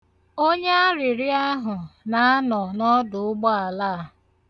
Onye arịrịọ ahụ na-anọ n'ọdụụgbọala a.